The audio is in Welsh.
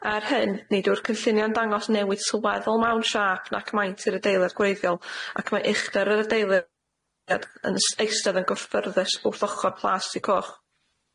Er hyn nid yw'r cynllunia'n dangos newid sylweddol mewn siâp nac maint i'r adeilad gwreiddiol ac mae uchder yr adeilad yn eistedd yn gyffyrddus wrth ochor plastig coch.